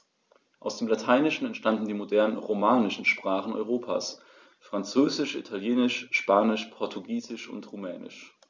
Aus dem Lateinischen entstanden die modernen „romanischen“ Sprachen Europas: Französisch, Italienisch, Spanisch, Portugiesisch und Rumänisch.